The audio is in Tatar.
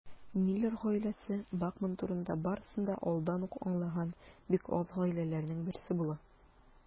Миллер гаиләсе Бакман турында барысын да алдан ук аңлаган бик аз гаиләләрнең берсе була.